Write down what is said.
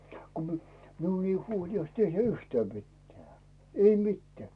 kun - minun ei huolisi tehdä yhtään mitään ei mitään